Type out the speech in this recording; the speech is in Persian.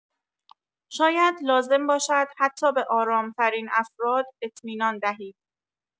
شاید لازم باشد حتی به آرام‌ترین افراد اطمینان دهید.